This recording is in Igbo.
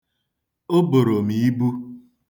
O boro m ibu.